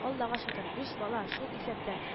Аллага шөкер, биш бала, шул исәптән